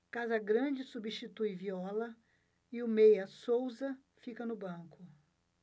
casagrande substitui viola e o meia souza fica no banco